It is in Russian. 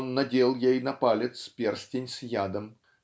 он надел ей на палец перстень с ядом